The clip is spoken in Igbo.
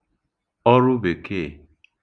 ọrụbèkeè